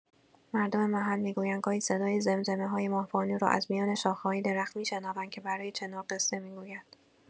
مردم محل می‌گویند گاهی صدای زمزمه‌های ماه‌بانو را از میان شاخه‌های درخت می‌شنوند که برای چنار قصه می‌گوید.